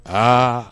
A